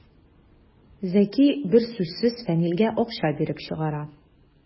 Зәки бер сүзсез Фәнилгә акча биреп чыгара.